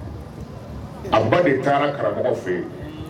A ba de taara karamɔgɔ fɛ yen